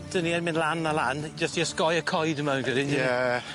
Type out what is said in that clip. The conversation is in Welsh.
'Dyn ni yn mynd lan a lan jyst i osgoi y coed yma fi'n credu... Ie.